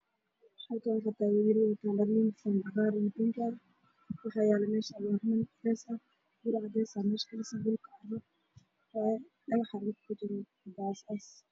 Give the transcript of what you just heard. Waa niman ka shaqeynayo meel ay dhismo ka socoto